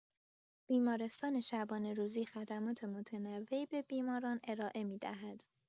بیمارستان شبانه‌روزی خدمات متنوعی به بیماران ارائه می‌دهد.